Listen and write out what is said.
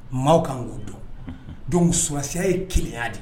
Maaw kan n ko don don susiya ye kelenya de ye